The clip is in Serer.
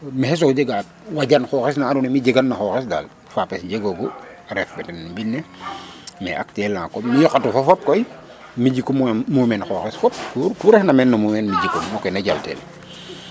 maxey sogo jegaa wajan xooxes na andoona yee mo jeganan a xooxes daal fapes jegoogu um ref fo ten mbind ne mais actuellement mu yoqatu fo fop koy mi' jiku muumeen xooxes fop ku ref na meen no muumeen mi' jikun no ke naa jalteel.